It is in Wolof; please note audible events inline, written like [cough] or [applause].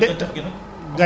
[hesitation] [hesitation]